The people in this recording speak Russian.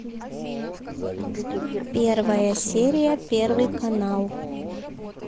первая серия первый канал